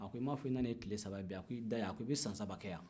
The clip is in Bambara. a ko i ma fɔ k'i nani yan ka tile saba ye bi ye a k'i da yan a k'i bɛ san saba kɛ yan